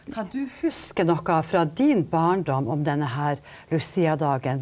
kan du huske noe fra din barndom om denne her Luciadagen?